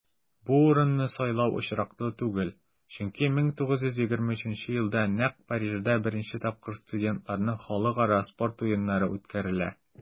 Бу урынны сайлау очраклы түгел, чөнки 1923 елда нәкъ Парижда беренче тапкыр студентларның Халыкара спорт уеннары үткәрелә.